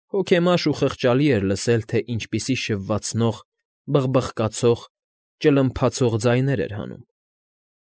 Հոգեմաշ ու խղճալի էր լսել, թե ինչիպիսի շվվացնող, բխկխբկացող, ճլմփացող ձայներ էր հանում։